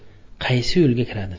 qaysi yo'lga kiradi